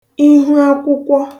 ihuakwụkwọ